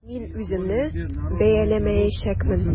Мин үземне бәяләмәячәкмен.